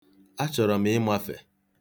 Achọrọ m ịmafe.